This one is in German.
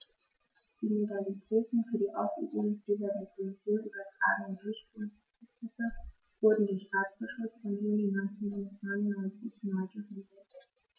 Die Modalitäten für die Ausübung dieser der Kommission übertragenen Durchführungsbefugnisse wurden durch Ratsbeschluss vom Juni 1999 neu geregelt.